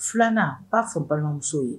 Filanan b'a fɔ balimamuso ye